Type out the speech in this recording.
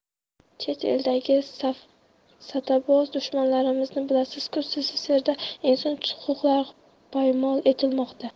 chet eldagi safsataboz dushmanlarimizni bilasiz ku sssrda inson huquqlari poymol etilmoqda